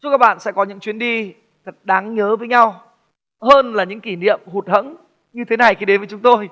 chúc các bạn sẽ có những chuyến đi thật đáng nhớ với nhau hơn là những kỷ niệm hụt hẫng như thế này khi đến với chúng tôi